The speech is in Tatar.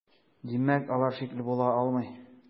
Димәк, алар шикле була алмый.